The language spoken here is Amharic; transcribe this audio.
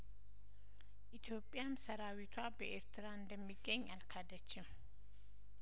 ኢትዮጵያም ሰራዊቷ በኤርትራ እንደሚገኝ አልካደችም